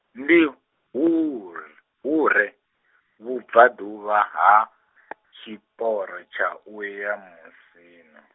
ndi hu r-, hu re, vhubvaḓuvha ha, tshiporo tsha u ya Musina.